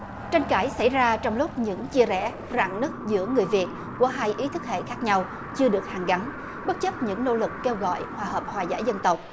tranh cãi xảy ra trong lúc những chia rẽ rạn nứt giữa người việt của hai ý thức hệ khác nhau chưa được hàn gắn bất chấp những nỗ lực kêu gọi hòa hợp hòa giải dân tộc